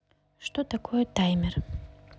что такое таймер